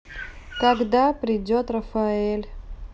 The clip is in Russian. когда придет рафаэль